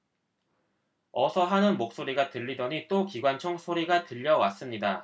어서 하는 목소리가 들리더니 또 기관총 소리가 들려왔습니다